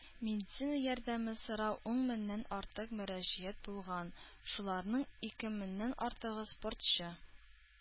Медицина ярдәме сорап ун меңнән артык мөрәҗәгать булган, шуларның ике меңнән артыгы - спортчы.